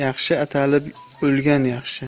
yaxshi atalib o'lgan yaxshi